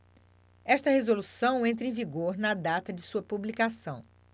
esta resolução entra em vigor na data de sua publicação